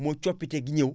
mooy coppite gi ñëw